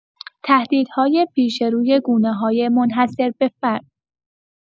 تهدیدهای پیش روی گونه‌های منحصر به‌فرد